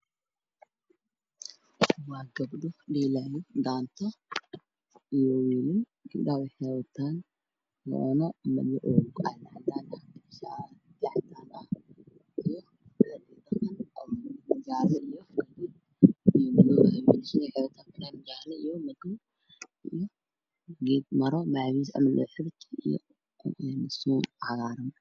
Waa gabdho dheelaayo dhaanto iyo wiilal, gabdhaha waxay wataan goono oo go cadaan ah dulsaaran iyo dhar hidiyo dhaqan ah oo jaale iyo madow ah.wiilashu waxay wataan fanaanad jaale iyo madow ah iyo maro macawis camal u xirteen iyo suun cagaaran.